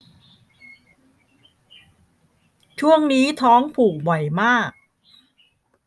ช่วงนี้ท้องผูกบ่อยมาก